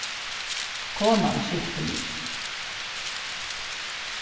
konan skilti meg ikki